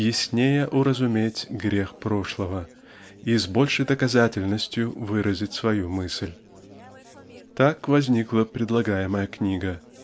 яснее уразуметь грех прошлого и с большей доказательностью выразить свою мысль. Так возникла предлагаемая книга